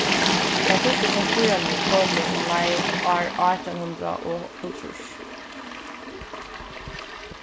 teir fyrstu komfýrarnir komu umleið ár átjan hundrað og hálvtrýss